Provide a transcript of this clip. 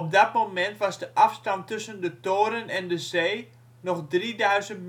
dat moment was de afstand tussen de toren en de zee nog 3000 meter